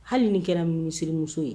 Hali nin kɛraumsiririmuso ye